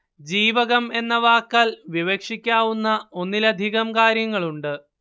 ജീവകം എന്ന വാക്കാല്‍ വിവക്ഷിക്കാവുന്ന ഒന്നിലധികം കാര്യങ്ങളുണ്ട്